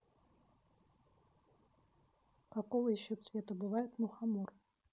какого еще цвета бывает мухомор